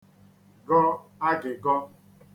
gọ agị̀gọ